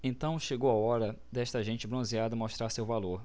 então chegou a hora desta gente bronzeada mostrar seu valor